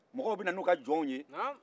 mɔgɔw bɛ na n'u ka jɔnw ye